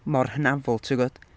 Mor hynafol ti'n gwbod?